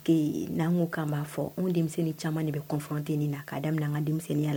N'an ko k' an b'a fɔ, anw denmisɛnnin caaman de bɛ confronter nin na k'a daminɛ an ka denmisɛnninya la